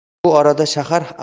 bu orada shahar